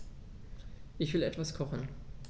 Ich will etwas kochen.